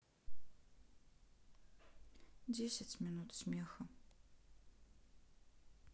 десять минут смеха